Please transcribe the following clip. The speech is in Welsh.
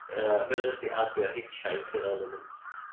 mae o jyst 'di adio hitchhiker element